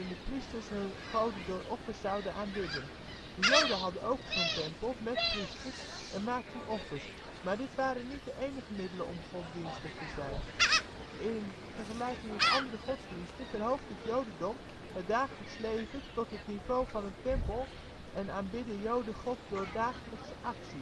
priesters hun goden door offers zouden aanbidden. De joden hadden ook zo 'n tempel, met priesters, en maakten offers, maar dit waren niet de enige middelen om God dienstig te zijn. In vergelijking met andere godsdiensten, verhoogt het jodendom het dagelijkse leven tot het niveau van een tempel en aanbidden joden God door dagelijkse acties